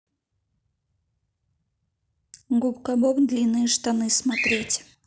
губка боб длинные штаны смотреть